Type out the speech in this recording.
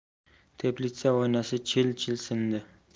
teplitsa oynasi chil chil sindi